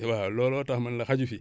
waaw looloo tax ma ne la xaju fi